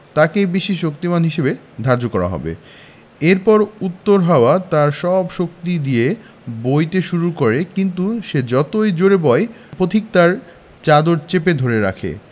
তাকেই বেশি শক্তিমান হিসেবে ধার্য করা হবে এরপর উত্তর হাওয়া তার সব শক্তি দিয়ে বইতে শুরু করে কিন্তু সে যতই জোড়ে বয় পথিক তার চাদর চেপে ধরে রাখে